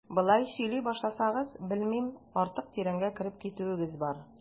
Болай сөйли башласагыз, белмим, артык тирәнгә кереп китүебез бар.